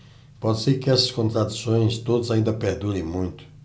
pode ser que estas contradições todas ainda perdurem muito